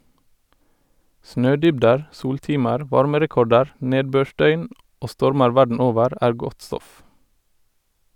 Snødybder, soltimer, varmerekorder, nedbørsdøgn og stormer verden over er godt stoff.